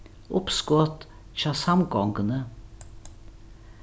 uppskot hjá samgonguni